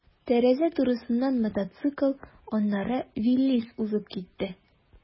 Тәрәзә турысыннан мотоцикл, аннары «Виллис» узып китте.